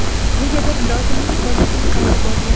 negadir lozimining pochasini qayirib olgan